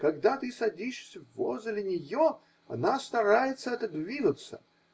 Когда ты садишься возле нее, она старается отодвинуться.